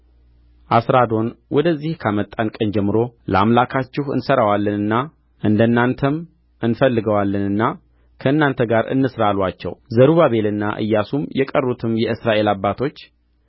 አስራዶን ወደዚህ ካመጣን ቀን ጀምሮ ለአምላካችሁ እንሠዋለንና እንደ እናንተም እንፈልገዋለንና ከእናንተ ጋር እንሥራ አሉአቸው ዘሩባቤልና ኢያሱም የቀሩትም የእስራኤል አባቶች